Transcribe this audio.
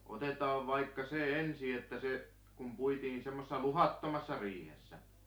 Otetaan vaikka se ensi että se kun puitiin semmoisessa luhdattomassa riihessä